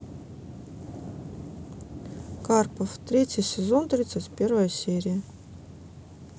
карпов третий сезон тридцать первая серия